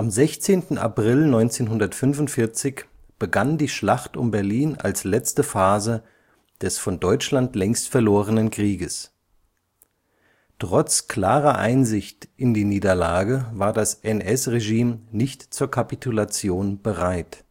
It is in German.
16. April 1945 begann die Schlacht um Berlin als letzte Phase des von Deutschland längst verlorenen Krieges. Trotz klarer Einsicht in die Niederlage war das NS-Regime nicht zur Kapitulation bereit